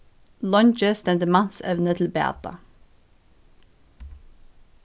leingi stendur mansevni til bata